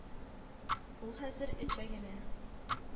Ул хәзер эчә генә